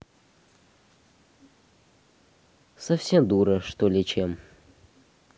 совсем дура что ли чем